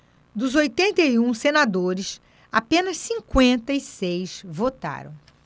dos oitenta e um senadores apenas cinquenta e seis votaram